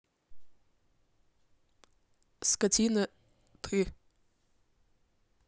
скотина ты